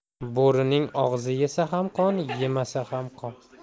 bo'rining og'zi yesa ham qon yemasa ham qon